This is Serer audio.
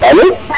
alo